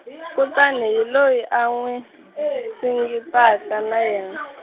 kutani hi loyi a n'wi, singitaka na yena.